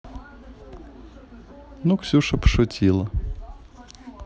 ну ксюша пошутила